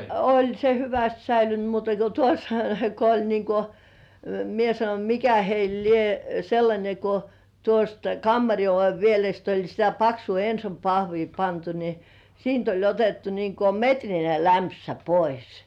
oli se hyvästi säilynyt muuta kuin tuossa kun oli niin kuin minä sanoin mikä heillä lie sellainen kun tuosta kammarin oven pielestä oli sitä paksua Enson pahvia pantu niin siitä oli otettu niin kuin metrinen lämpsä pois